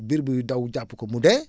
biir biy daw jàpp ko mu dee